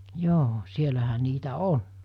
joo siellähän niitä on